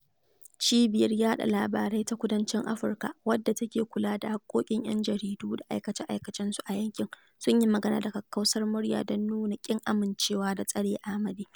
Cibiyar Yaɗa Labarai ta Kudancin Afirka, wadda take kula da haƙƙoƙin 'yan jaridu da aikace-aikacensu a yankin, sun yi magana da kakkausar murya don nuna ƙin amincewa da tsare Amade: